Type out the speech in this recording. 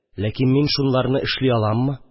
Ләкин мин шунларны эшли аламмы